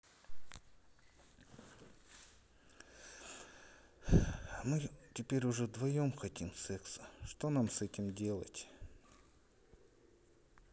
а мы теперь уже вдвоем хотим секса что нам с этим делать